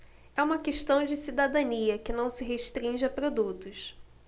é uma questão de cidadania que não se restringe a produtos